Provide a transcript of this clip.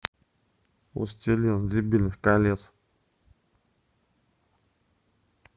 властелин дебильных колец